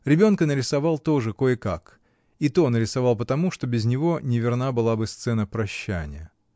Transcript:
Ребенка нарисовал тоже кое-как, и то нарисовал потому, что без него не верна была бы сцена прощания.